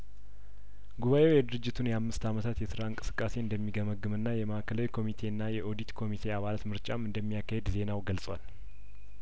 ጉባኤው የድርጅቱን የአምስት አመታት የስራ እንቅስቃሴ እንደሚገመገምና የማእከላዊ ኮሚቴና የኦዲት ኮሚቴ አባላትምርጫም እንደሚያካሂድ ዜናው ገልጿል